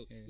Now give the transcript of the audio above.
eeyi